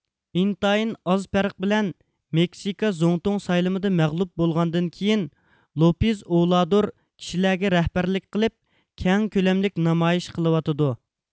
ئىنتايىن ئاز پەرق بىلەن مېكسىكا زۇڭتۇڭ سايلىمىدا مەغلۇپ بولغاندىن كېيىن لوپېز ئوۋلادور كىشىلەرگە رەھبەرلىك قىلىپ كەڭ كۆلەملىك نامايىش قىلىۋاتىدۇ